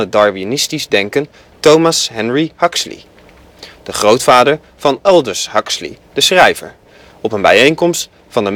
Darwinistisch denken Thomas Henry Huxley (de grootvader van Aldous Huxley, de schrijver) op een bijeenkomst van